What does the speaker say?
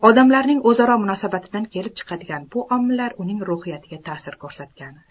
odamlarning o'zaro munosabatidan kelib chiqadigan bu omillar uning ruhiyatiga ta'sir ko'rsatgan